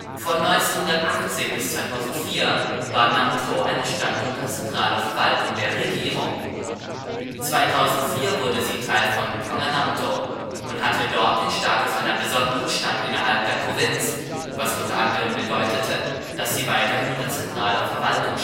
Von 1980 bis 2004 war Namp’ o eine Stadt unter zentraler Verwaltung der Regierung. 2004 wurde sie Teil von P’ yŏngan-namdo und hatte dort den Status einer besonderen Stadt innerhalb der Provinz, was unter anderem bedeutete, dass sie weiterhin unter zentraler Verwaltung